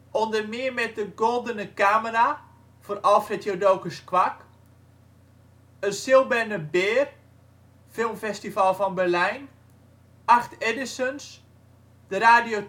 onder meer met de Goldene Kamera (Alfred Jodocus Kwak), een Silberne Bär (filmfestival van Berlijn), acht Edisons, de Radio